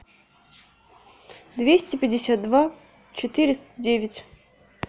двести пятьдесят два четыреста девять